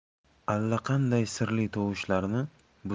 allaqanday sirli tovushlarni butun